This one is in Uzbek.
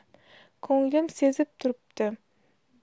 ko'nglim sezib turibdi